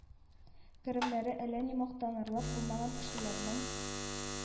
Керемнәре әллә ни мактанырлык булмаган кешеләрнең